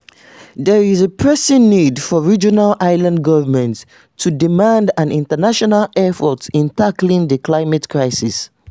There is a pressing need for regional island governments to demand an international effort in tackling the climate crisis.